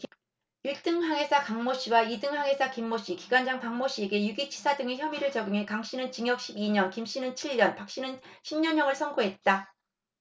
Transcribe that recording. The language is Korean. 일 등 항해사 강모씨와 이 등 항해사 김모씨 기관장 박모씨에게 유기치사 등의 혐의를 적용해 강씨는 징역 십 이 년 김씨는 칠 년 박씨는 십 년 형을 선고했다